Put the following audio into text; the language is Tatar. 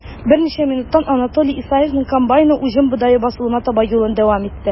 Берничә минуттан Анатолий Исаевның комбайны уҗым бодае басуына таба юлын дәвам итте.